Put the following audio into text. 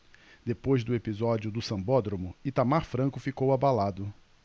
depois do episódio do sambódromo itamar franco ficou abalado